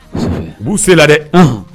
U b'u selen la dɛ